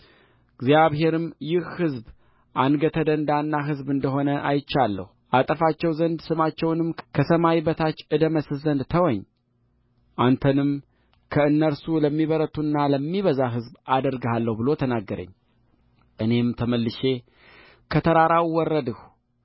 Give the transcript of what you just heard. እግዚአብሔርም ይህ ሕዝብ አንገተ ደንዳና ሕዝብ እንደሆነ አይቼአለሁአጠፋቸው ዘንድ ስማቸውንም ከሰማይ በታች እደመስስ ዘንድ ተወኝ አንተንም ከእነርሱ ለሚበረታና ለሚበዛ ሕዝብ አደርግሃለሁ ብሎ ተናገረኝእኔም ተመልሼ ከተራራው ወረድሁ